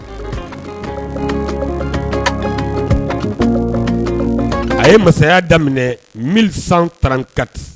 A ye masaya daminɛ mi san tanrankati